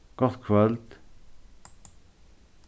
gott kvøld